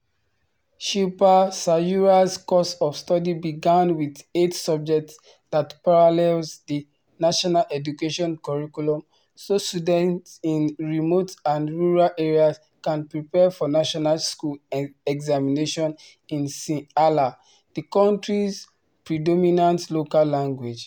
Shilpa Sayura’s course of study began with eight subjects that parallels the national education curriculum so students in remote and rural areas can prepare for national school examinations in Sinhala, the country's predominant local language.